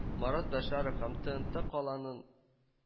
Марат Бәшәров һәм ТНТ каланын